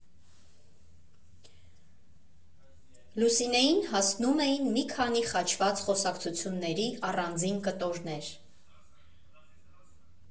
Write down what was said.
Լուսինեին հասնում էին մի քանի խաչված խոսակցությունների առանձին կտորներ։